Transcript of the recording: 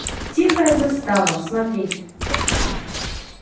тихая застава смотреть